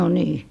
mm no niin